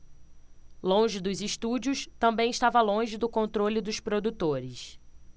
longe dos estúdios também estava longe do controle dos produtores